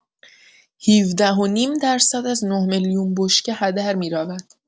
۱۷ و نیم درصد از ۹ میلیون بشکه هدر می‌رود.